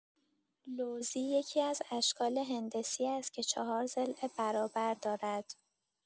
لوزی یکی‌از اشکال هندسی است که چهار ضلع برابر دارد.